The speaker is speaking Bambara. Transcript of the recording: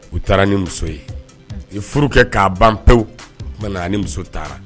U taara ni muso ye i furu kɛ k'a ban pewu ni muso taara